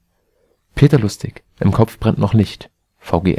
Peter Lustig: Im Kopf brennt noch Licht. vgs